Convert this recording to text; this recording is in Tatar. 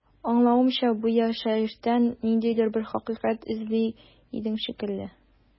Аңлавымча, бу яшәештән ниндидер бер хакыйкать эзли идең шикелле.